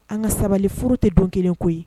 An ka sabali furu tɛ dɔn kelen koyi ye